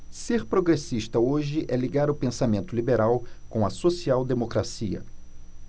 ser progressista hoje é ligar o pensamento liberal com a social democracia